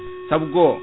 saabu go